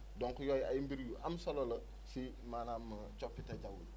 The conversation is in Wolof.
donc yooyu ay mbir yu am solo la si maanaam coppite jaww ji